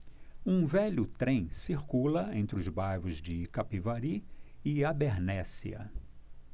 um velho trem circula entre os bairros de capivari e abernéssia